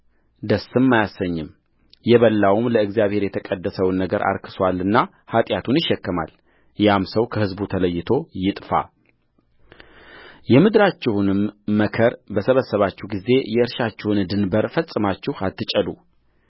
ደስም አያሰኝምየበላውም ለእግዚአብሔር የተቀደሰውን ነገር አርክሶአልና ኃጢአቱን ይሸከማል ያም ሰው ከሕዝቡ ተለይቶ ይጥፋየምድራችሁንም መከር በሰበሰባችሁ ጊዜ የእርሻችሁን ድንበር ፈጽማችሁ አትጨዱ